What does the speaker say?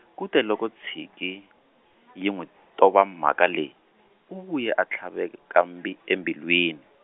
kute loko Tsinkie, yi n'wi tova mhaka leyi, u vuye a tlhaveka mbi- embilwini.